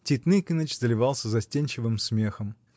Тит Никоныч заливался застенчивым смехом.